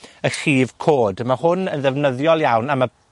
y llif co'd. A ma' hwn yn ddefnyddiol iawn am y